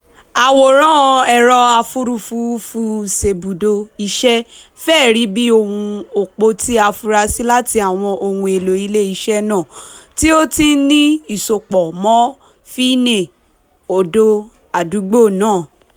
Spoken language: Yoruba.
Àwòrán ẹ̀rọ afòfurufúṣèbùdò-iṣẹ́ fẹ́ rí bíi ohun òpó tí a furasí láti àwọn ohun-èlò ilé-iṣẹ́ náà tí ó ti ní ìsopọ̀ mọ́ Feeane, odò àdúgbò náà.